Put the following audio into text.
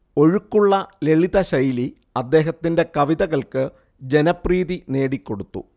ഒഴുക്കുള്ള ലളിതശൈലി അദ്ദേഹത്തിന്റെ കവിതകൾക്ക് ജനപ്രീതി നേടിക്കൊടുത്തു